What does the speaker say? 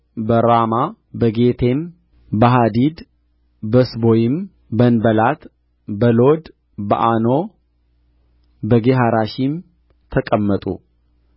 በራማ በጊቴም በሐዲድ በስቦይም በንበላት በሎድ በኦኖ በጌሐራሺም ተቀመጡ